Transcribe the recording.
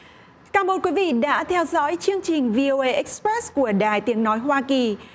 cám ơn quý vị đã theo dõi chương trình vi ô ây ích bờ rét của đài tiếng nói hoa kỳ